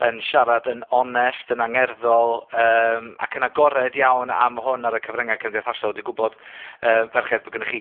yn siarad yn onest, yn angerddol yym ac yn agored iawn am hwn ar y cyfrynge cymdeithasol. Dwi gwbod yy ferched bo' gennych chi